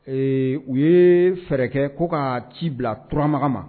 Ee u ye fɛrɛ kɛ ko ka ci bila turamaga ma